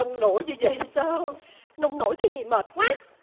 nông nổi như vậy sao nông nổi cái gì mệt quá